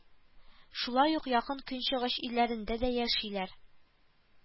Шулай ук Якын Көнчыгыш илләрендә дә яшиләр